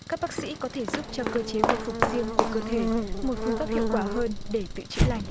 các bác sĩ có thể giúp cho cơ chế hồi phục riêng của cơ thể một phương pháp hiệu quả hơn để tự chữa lành